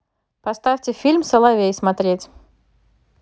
поставьте фильм соловей смотреть